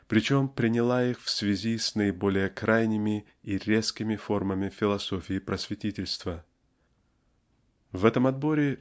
причем приняла их в связи с наиболее крайними и резкими формами философии просветительства. В этом отборе